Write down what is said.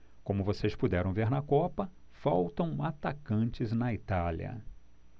como vocês puderam ver na copa faltam atacantes na itália